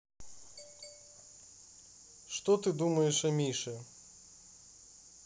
что ты думаешь о мише